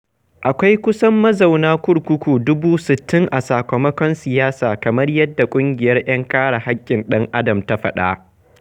Akwai kusan mazauna kurkuku 60,000 a sakamakon siyasa, kamar yadda ƙungiyar 'yan kare haƙƙin ɗan'adam ta faɗa.